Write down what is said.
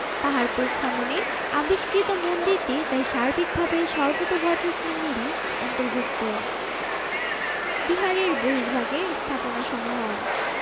পাহাড়পুর খননে আবিষ্কৃত মন্দিরটি তাই সার্বিক ভাবে সর্বোতভদ্র শ্রেণিরই অন্তর্ভুক্ত বিহারের বহির্ভাগের স্থাপনাসমূহ